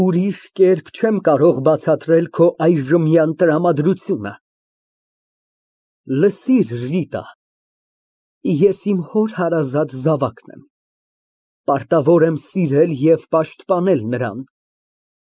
Ուրիշ կերպ չեմ կարող բացատրել քո այժմյան տրամադրությունը։ (Թեթև լռությունից հետո, մոտենում է) Լսիր Ռիտա, ես իմ հոր հարազատ զավակն եմ, պատրաստ եմ սիրել ու պաշտպանել նրան,